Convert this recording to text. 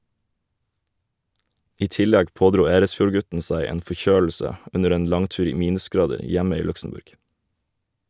I tillegg pådro Eresfjord-gutten seg en forkjølelse under en langtur i minusgrader hjemme i Luxembourg.